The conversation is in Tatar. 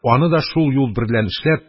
Аны да шул юл берлән эшләп,